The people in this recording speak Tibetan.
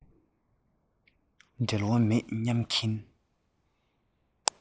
འབྲེལ བ མེད སྙམ གྱིན